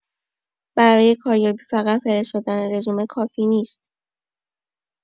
برای کاریابی، فقط فرستادن رزومه کافی نیست.